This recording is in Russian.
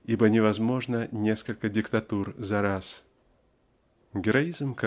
ибо невозможно несколько "диктатур" зараз. Героизм